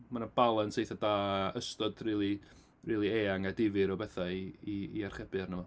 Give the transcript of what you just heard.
Ma' 'na balans eitha da, ystod rili rili eang a difyr o bethau i i i archebu arno fo.